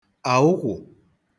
àụkwụ̀